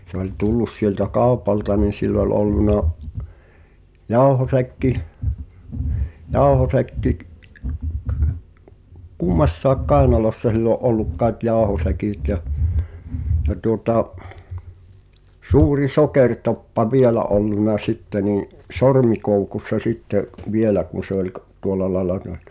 se oli tullut sieltä kaupalta niin sillä oli ollut jauhosäkki jauhosäkki - kummassakin kainalossa sillä oli ollut kai jauhosäkit ja ja tuota suuri sokeritoppa vielä ollut sitten niin sormikoukussa sitten vielä kun se oli - tuolla lailla ne oli